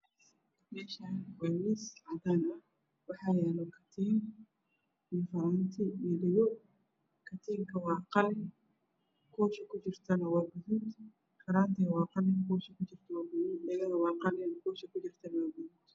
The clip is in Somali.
Meshan waa mis cadn ah waxayalo katin io faranti io dhego katinka waa qalin kushi kujirto waa gaduud faratiga waa qalin kusha kujirto waa gaduud dhegah waa qalin kusho kujirto waa gaduud